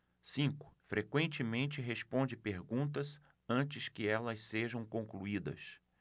cinco frequentemente responde perguntas antes que elas sejam concluídas